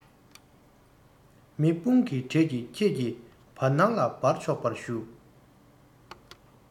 མེ དཔུང གི དྲོད ཀྱིས ཁྱེད ཀྱི བར སྣང ལ སྦར ཆོག པར ཞུ